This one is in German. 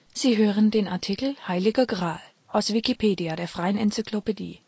Sie hören den Artikel Heiliger Gral, aus Wikipedia, der freien Enzyklopädie